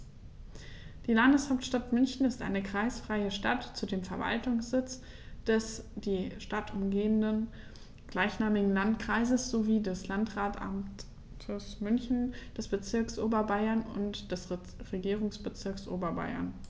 Die Landeshauptstadt München ist eine kreisfreie Stadt, zudem Verwaltungssitz des die Stadt umgebenden gleichnamigen Landkreises sowie des Landratsamtes München, des Bezirks Oberbayern und des Regierungsbezirks Oberbayern.